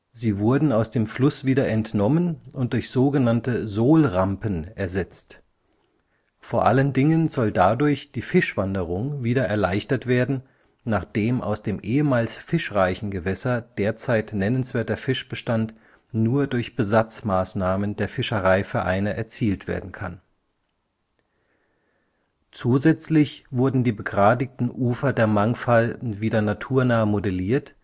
Sie wurden aus dem Fluss wieder entnommen und durch so genannte Sohlrampen ersetzt. Vor allen Dingen soll dadurch die Fischwanderung wieder erleichtert werden, nachdem aus dem ehemals fischreichen Gewässer derzeit nennenswerter Fischbestand nur durch Besatzmaßnahmen der Fischereivereine erzielt werden kann. Zusätzlich wurden die begradigten Ufer der Mangfall wieder naturnah modelliert